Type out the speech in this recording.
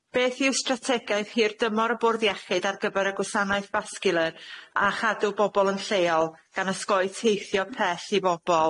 Beth yw strategaeth hirdymor y Bwrdd Iechyd ar gyfer y gwasanaeth vascular, a chadw bobol yn lleol, gan osgoi teithio pell i fobol?